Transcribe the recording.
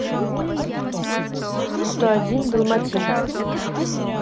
сто один далматин